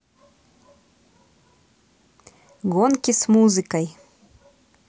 гонки с музыкой